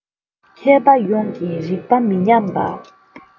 མཁས པ ཡོངས ཀྱི རིག པ མི ཉམས པ